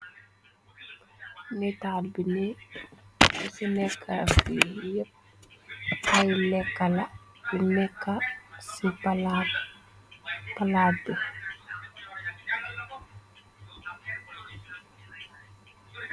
Nétaal bi nee ci nekka fi yep fay lekkala bu nekka ci palaat bu.